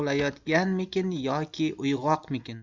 uxlayotganmikin yoki uyg'oqmikin